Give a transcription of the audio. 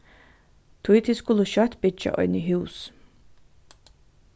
tí tit skulu skjótt byggja eini hús